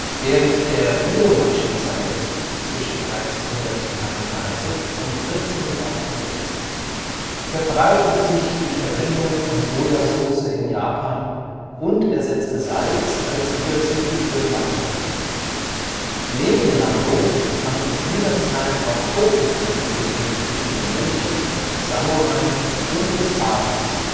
Während der Muromachi-Zeit (1333 – 1568) verbreitete sich die Verwendung von Sojasauce in Japan und ersetzte Salz als Würzmittel für Nattō. Neben Nattō fand in dieser Zeit auch Tofu Einzug in die Küchen der Mönche, Samurai und des Adels